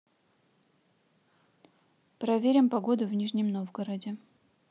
проверим погоду в нижнем новгороде